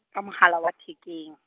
ka mohala wa thekeng.